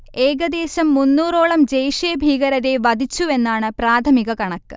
ഏകദേശം മുന്നോറോളം ജെയ്ഷെ ഭീകരരെ വധിച്ചുവെന്നാണ് പ്രാഥമിക കണക്ക്